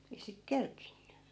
ei sitten kerinnyt